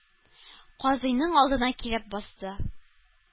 Казыйның алдына килеп басты.